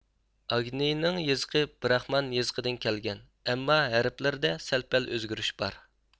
ئاگنىنىڭ يېزىقى براخمان يېزىقىدىن كەلگەن ئەمما ھەرپلىرىدە سەل پەل ئۆزگىرىش بار